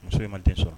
Muso in ma den sɔrɔ